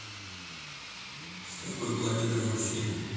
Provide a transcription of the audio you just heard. с какой планеты мужчины